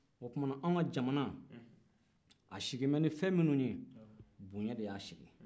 o tumana anw ka jamana a sigilen bɛ nin fɛn minnu ye bonya de y'a sigi